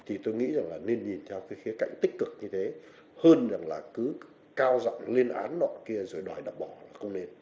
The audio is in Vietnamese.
thì tôi nghĩ nên nhìn theo khía cạnh tích cực như thế hơn là cứ cao giọng lên án nọ kia rồi đòi đập bỏ không lên